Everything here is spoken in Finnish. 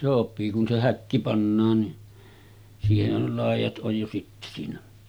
sopii kun se häkki pannaan niin siihenhän jo laidat on jo sitten siinä